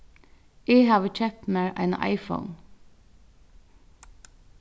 eg havi keypt mær eina iphone